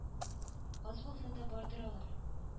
Аз булса да бардыр алар